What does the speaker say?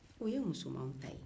o ye musomanw ta ye